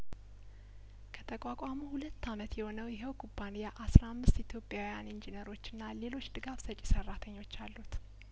ከተቋቋሙ ሁለት አመት የሆነው ይኸው ኩባንያአስራ አምስት ኢትዮጵያውያን ኢንጂ ነሮችና ሌሎች ድጋፍ ሰጪ ሰራተኞች አሉት